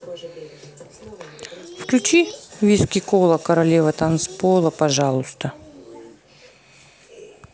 включи виски кола королева танцпола пожалуйста